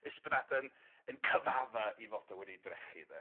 Ysbyddadyn yn cyfadda 'i fod o wedi drechu de.